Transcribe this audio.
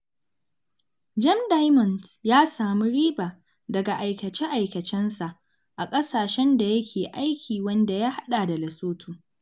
Gem Diamonds ya samu riba daga aikace-aikacen sa a ƙasashen da yake aiki, wanda ya haɗa da Lesotho.